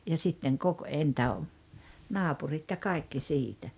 ja sitten --- naapurit ja kaikki siitä